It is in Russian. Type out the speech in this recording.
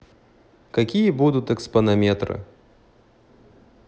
какие будет экспонометры